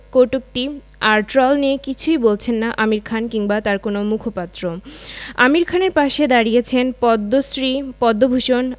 কটূক্তি আর ট্রল নিয়ে কিছুই বলছেন না আমির খান কিংবা তাঁর কোনো মুখপাত্রআমির খানের পাশে দাঁড়িয়েছেন পদ্মশ্রী পদ্মভূষণ